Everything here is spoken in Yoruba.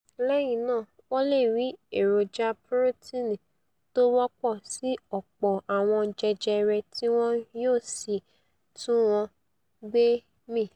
Lẹ́yìn náà wọ́n leè 'ri' èròja puroteeni tówọ́pọ̀ sí ọ̀pọ̀ àwọn jẹjẹrẹ tíwọn yóò sì túnwọn gbé mì